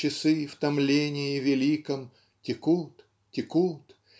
Часы в томлении великом Текут, текут.